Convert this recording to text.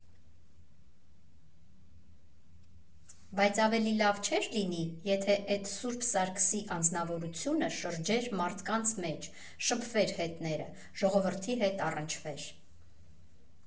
Բայց ավելի լավ չէ՞ր լինի, եթե էտ Սուրբ Սարգսի անձնավորությունը շրջեր մարդկանց մեջ, շփվեր հետները, ժողովրդի հետ առնչվեր։